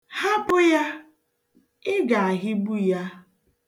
Hapụ ya! Ị ga-ahịgbu ya.